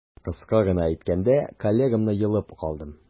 Кыска гына әйткәндә, коллегамны йолып калдым.